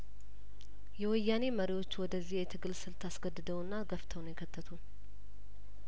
የወያኔ መሪዎች ወደዚህ የትግል ስልት አስገድደውና ገፍተው ነው የከተቱን